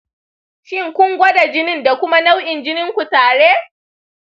shin kun gwada jinin da kuma nau'in jinin ku tare?